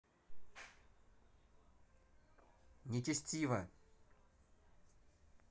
нечестиво